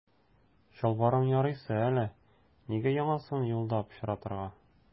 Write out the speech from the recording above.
Чалбарың ярыйсы әле, нигә яңасын юлда пычратырга.